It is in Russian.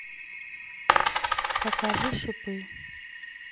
покажи шипы